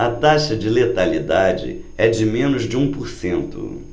a taxa de letalidade é de menos de um por cento